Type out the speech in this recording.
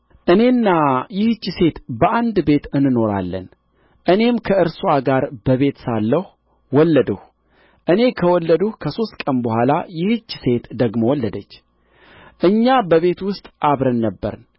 እኔና ይህች ሴት በአንድ ቤት እንኖራለን እኔም ከእርስዋ ጋር በቤት ሳለሁ ወለድሁ እኔ ከወለድሁ ከሦስት ቀን በኋላ ይህች ሴት ደግሞ ወለደች እኛ በቤት ውስጥ አብረን ነበርን